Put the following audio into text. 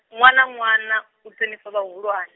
ṅwana ṅwana, u ṱhonifha vhahulwane.